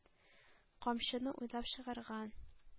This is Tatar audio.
Камчыны уйлап чыгарган.